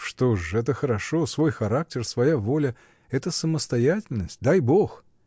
— Что ж, это хорошо: свой характер, своя воля — это самостоятельность. Дай Бог!